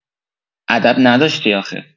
ادب نداشتی آخه